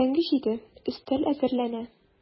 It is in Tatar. Иртәнге җиде, өстәл әзерләнә.